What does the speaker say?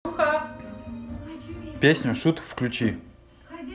песню шут включи